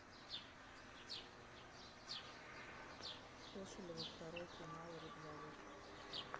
кошелева второй final рыбзавод